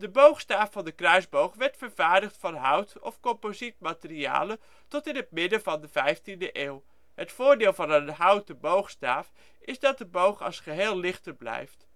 boogstaaf van de kruisboog werd vervaardigd van hout of composietmaterialen tot in het midden van de 15e eeuw. Het voordeel van een houten boogstaaf is dat de boog als geheel lichter blijft